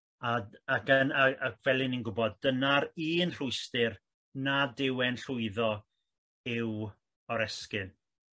A ac yn a a fel i ni'n gwbod dyna'r un rhwystr nad yw e'n llwyddo i'w oresgyrn.